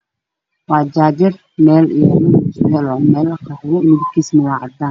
Halkaan waxaa ka muuqdo fadhi jaajar midabkiisu waa cadaan iyo qalin